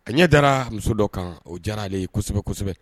A ɲɛ daraa muso dɔ kan o diyar'ale ye kosɛbɛ kosɛbɛ